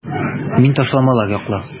Мин ташламалар яклы.